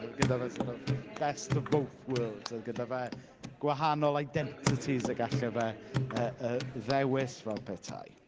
Oedd gyda fe sort of best of both worlds oedd gyda fe gwahanol identities y gallai fe yy yy ddewis fel petai.